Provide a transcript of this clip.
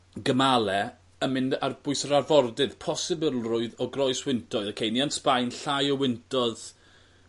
gymale yn mynd ar bwys yr arfordydd posibilrwydd o groeswyntoedd oce ni yn Sbaen llai o wytnodd